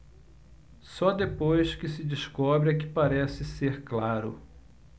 só depois que se descobre é que parece ser claro